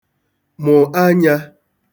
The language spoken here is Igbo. mụ̀ anyā